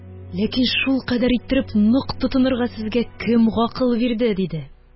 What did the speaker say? Ләкин шулкадәр иттереп нык тотынырга сезгә кем гакыл бирде? – диде.